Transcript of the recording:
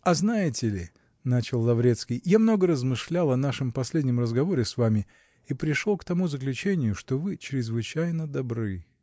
-- А знаете ли, -- начал Лаврецкий, -- я много размышлял о нашем последнем разговоре с вами и пришел к тому заключению, что вы чрезвычайно добры.